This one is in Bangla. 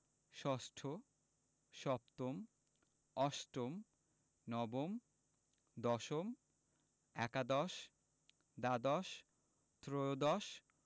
ষষ্ঠ সপ্তম অষ্টম নবম দশম একাদশ দ্বাদশ ত্ৰয়োদশ